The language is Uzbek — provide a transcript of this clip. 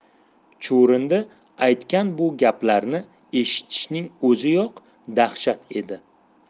chuvrindi aytgan bu gaplarni eshitishning o'ziyoq dahshat edi